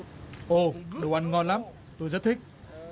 ồ đồ ăn ngon lắm tôi rất thích